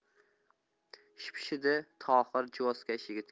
shipshidi tohir juvozkash yigitga